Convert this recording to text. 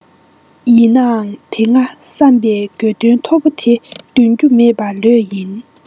ཡིན ནའང དེ སྔ བསམས པའི དགོས འདུན མཐོ པོ དེ འདོན རྒྱུ མེད པ ལོས ཡིན